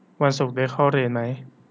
วันศุกร์ได้เข้าเรียนมั้ย